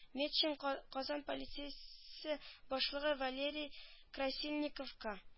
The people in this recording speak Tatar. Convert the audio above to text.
Метшин казан полициясе башлыгы валерий красильниковка